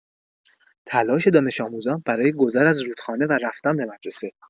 تلاش دانش‌آموزان برای گذر از رودخانه و رفتن به مدرسه